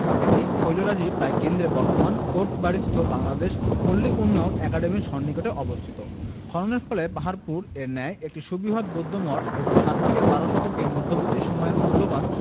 এটি শৈলরাজির প্রায় কেন্দ্রে বর্তমান কোটবাড়িস্থ বাংলাদেশ পল্লী উন্নয়ন অ্যাকাডেমির সন্নিকটে অবস্থিত খননের ফলে পাহাড়পুর এর ন্যায় একটি সুবৃহৎ বৌদ্ধ মঠ এবং সাত থেকে বারো শতকের মধ্যবর্তী সময়ের মূল্যবান